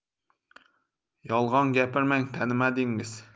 yolg'on gapirmang tanimadingiz